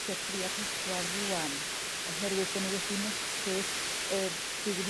tua tri a pedwar rŵan oherwydd bo' nhw wedi methu yr blwyddyn